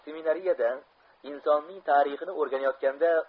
seminariyada isoning tarixini o'rganayotganda